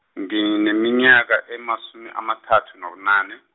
ngineminyaka emasumi amathathu nobunane.